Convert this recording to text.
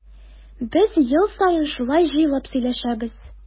Без ел саен шулай җыелып сөйләшәбез.